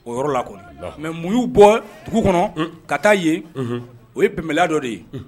O yɔrɔ la kɔni. Unhun . Mais mun yu bɔ dugu kɔnɔ ka taa yen Unhun. o ye bɛnbaliya dɔ de ye Unhun